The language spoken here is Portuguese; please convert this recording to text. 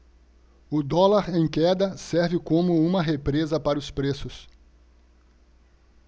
o dólar em queda serve como uma represa para os preços